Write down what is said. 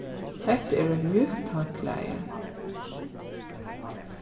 hetta er eitt mjúkt handklæði